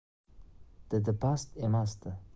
didi past emasdi